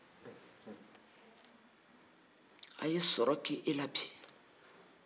a ye sɔrɔ kɛ e la bi